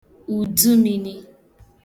ùdtumīnī